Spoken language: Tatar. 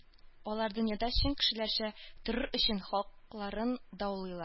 Алар дөньяда чын кешеләрчә торыр өчен хакларын даулыйлар